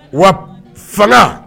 Wa fanga.